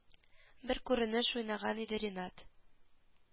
Бер күренеш уйнаган иде ринат